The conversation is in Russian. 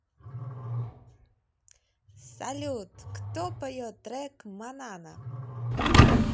салют кто поет трек mañana